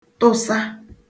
tụsa